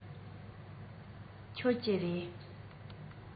མཆོད ཀྱི རེད